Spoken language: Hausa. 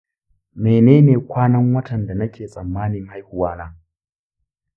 menene kwanan watan da nake tsammanin haihuwa na